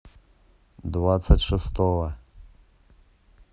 двадцать шестого